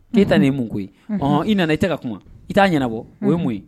E ta nin ye mun koyi ye hɔn i nana i tɛ ka kuma i t'a ɲɛnabɔ o ye mun ye